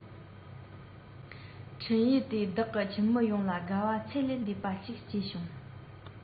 འཕྲིན ཡིག དེས བདག གི ཁྱིམ མི ཡོངས ལ དགའ བ ཚད ལས འདས པ ཞིག སྐྱེས བྱུང